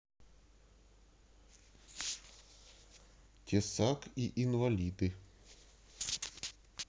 тесак и инвалиды